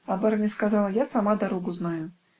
А барыня сказала: "Я сама дорогу знаю".